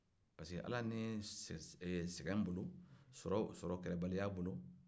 parce que ala ni sɛgɛn bolo sɔrɔkɛbaliya bolo